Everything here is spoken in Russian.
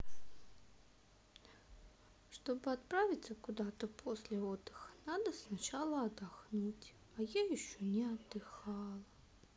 чтобы отправиться куда то после отдыха надо сначала отдохнуть а я еще не отдыхала